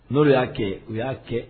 N'o y'a kɛ o y'a kɛ